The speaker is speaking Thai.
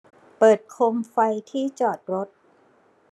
เปิดโคมไฟที่จอดรถ